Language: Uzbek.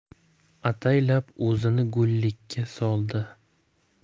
ataylab o'zini go'liikka soldi